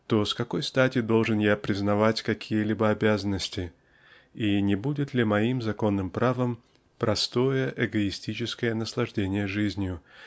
то с какой стати должен я признавать какие-либо обязанности и не будет ли моим законным правом простое эгоистическое наслаждение жизнью